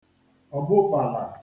ọ̀gbụkpàlà